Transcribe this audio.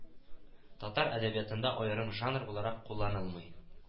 Татар әдәбиятында аерым жанр буларак кулланылмый